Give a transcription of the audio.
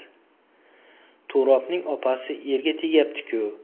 turobning opasi erga tegyapti ku